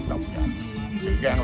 giặc